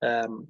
yym